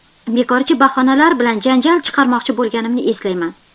bekorchi bahonalar bilan janjal chiqarmoqchi bo'lganimni eslayman